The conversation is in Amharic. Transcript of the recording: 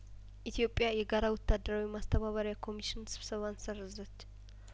ኢትዮጵያ የጋራ ወታደራዊ ማስተባበሪያ ኮሚሽን ስብሰባን ሰረዘች